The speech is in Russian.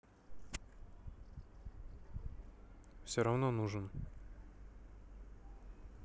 все равно нужен